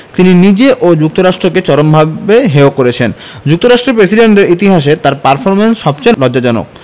তিনি নিজে ও যুক্তরাষ্ট্রকে চরমভাবে হেয় করেছেন যুক্তরাষ্ট্রের প্রেসিডেন্টদের ইতিহাসে তাঁর পারফরমেন্স সবচেয়ে লজ্জাজনক